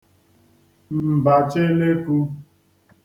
m̀bàchelekū